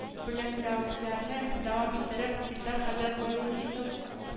Бүләкләүләрне дәвам иттереп, Илдар хәзрәт Баязитов